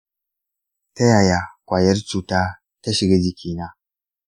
ta yaya kwayar cutar ta shiga jikina?